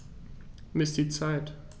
Miss die Zeit.